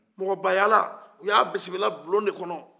mɔgɔbaya la u y'a bisimila bulon de kɔnɔ